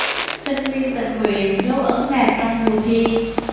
sinh viên tình nguyện dấu ấn đẹp trong mùa thi